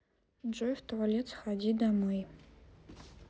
джой в туалет сходи домой